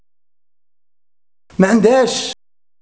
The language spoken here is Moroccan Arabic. ما عندش